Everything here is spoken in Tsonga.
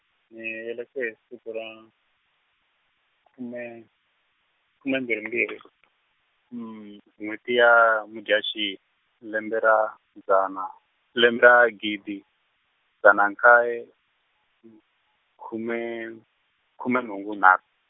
ni velekiwe hi siku ra, khume, khume mbirhi mbirhi, n'wheti ya Mudyaxihi lembe ra, dzana lembe ra gidi, dzana nkaye , khume, khume nhungu nharhu.